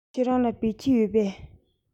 ཁྱེད རང ལ བོད ཆས ཡོད པས